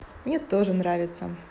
мне тоже нравится